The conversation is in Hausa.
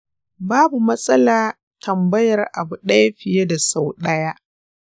babu matsala tambayar abu ɗaya fiye da sau ɗaya.